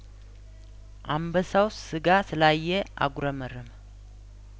አንበሳው ስጋ ስላየ አጉረመረመ